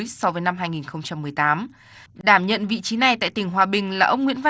so với năm hai nghìn không trăm mười tám đảm nhận vị trí này tại tỉnh hòa bình là ông nguyễn